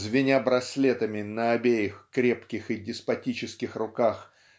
звеня браслетами на обеих крепких и деспотических руках